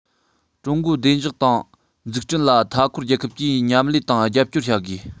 ཀྲུང གོའི བདེ འཇགས དང འཛུགས སྐྲུན ལ མཐའ འཁོར རྒྱལ ཁབ ཀྱིས མཉམ ལས དང རྒྱབ སྐྱོར བྱ དགོས